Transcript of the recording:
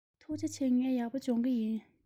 ཐུགས རྗེ ཆེ ངས ཡག པོ སྦྱོང གི ཡིན